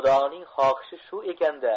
xudoning xohishi shu ekan da